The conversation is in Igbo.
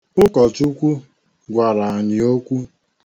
Ụkọchukwu gwara anyị okwu.